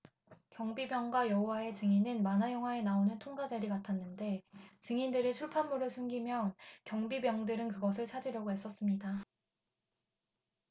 경비병과 여호와의 증인은 만화 영화에 나오는 톰과 제리 같았는데 증인들이 출판물을 숨기면 경비병들은 그것을 찾으려고 애썼습니다